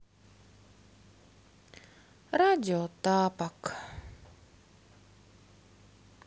радио тапок